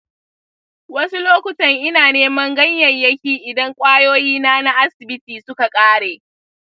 wasu lokutan ina neman ganyayyaki idan kwayoyina na asibiti suka kare.